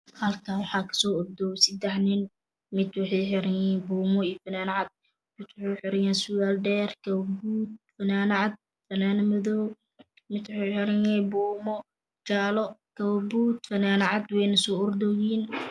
Halkan waxa kasoo ordooyo sadex nin mid wuxuu xiran yahay buumo iyo funaanad cadan ah mid wuxuu xiranyahay surwal dheer kabo buud ah iyo funaanad cad funaanad madow mid wuxuu xiranyahay buumo jaalo kabo buud fuunad cad wayna so ordooyiin